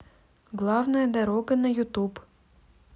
главная дорога на ютуб